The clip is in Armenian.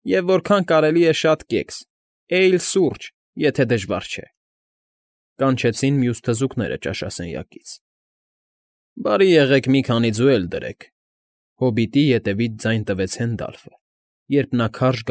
Եվ որքան կարելի է շատ կեքս, էյլ, սուրճ, եթե դժվար չէ, ֊ կանչեցին մյուս թզուկները ճաշասենյակից։ ֊ Բարի եղեք մի քանի ձու էլ դրեք, ֊ հոբիտի հետևից ձայն տվեց Հենդալֆը, երբ նա քարշ։